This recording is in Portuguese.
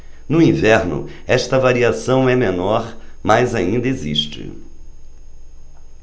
no inverno esta variação é menor mas ainda existe